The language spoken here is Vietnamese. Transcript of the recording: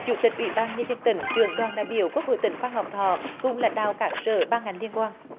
chủ tịch ủy ban nhân dân tỉnh trưởng đoàn đại biểu quốc hội tỉnh phan ngọc thọ cùng lãnh đạo các sở ban ngành liên quan